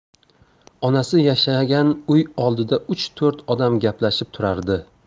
onasi yashagan uy oldida uch to'rt odam gaplashib turardi